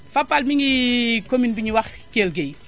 Fapal mi ngi commune bu ñuy wax Kelle Gueye